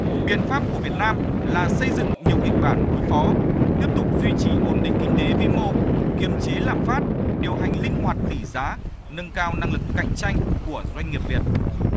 biện pháp của việt nam là xây dựng nhiều kịch bản đối phó tiếp tục duy trì ổn định kinh tế vĩ mô kiềm chế lạm phát điều hành linh hoạt tỷ giá nâng cao năng lực cạnh tranh của doanh nghiệp việt